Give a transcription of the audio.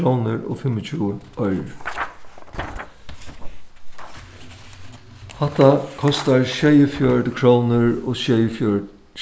krónur og fimmogtjúgu oyrur hatta kostar sjeyogfjøruti krónur og